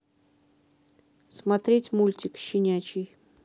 смотреть мультик щенячий